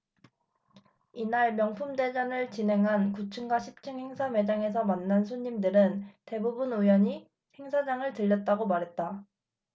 이날 명품대전을 진행한 구 층과 십 층 행사 매장에서 만난 손님들은 대부분 우연히 행사장을 들렀다고 말했다